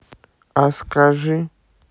а скажи